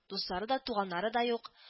Дуслары да, туганнары да юк